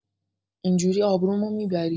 این جوری آبرومو می‌بری.